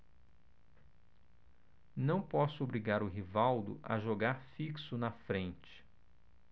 não posso obrigar o rivaldo a jogar fixo na frente